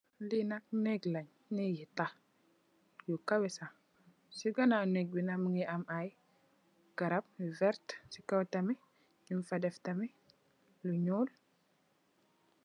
Li nak nèeg leen, neeg gi taah yu kawëy sah. Ci ganaawam nèeg bi nak mungi am ay garab yu vert. Ci kaw tamit nung fa deff tamit lu ñuul.